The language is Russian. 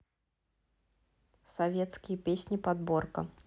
советские песни подборка